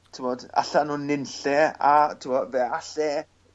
t'mod allan o ninlle a t'mo' fe all e